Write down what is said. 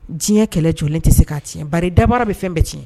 Diɲɛ kɛlɛ jɔlen tɛ se k'a cɛn bari dabara bɛ fɛn bɛɛ cɛn.